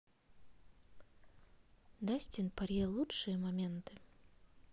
дастин порье лучшие моменты